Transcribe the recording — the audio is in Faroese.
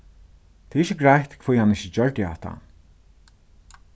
tað er ikki greitt hví hann ikki gjørdi hatta